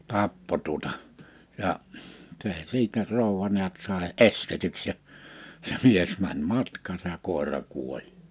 tappoi tuota ja se siitä rouva näet sai estetyksi ja ja mies meni matkaansa ja koira kuoli